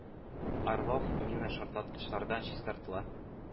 Орлов минашартлаткычлардан чистартыла.